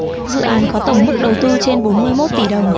dự án có tổng mức đầu tư trên bốn mươi mốt tỷ đồng